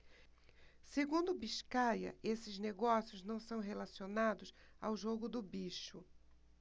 segundo biscaia esses negócios não são relacionados ao jogo do bicho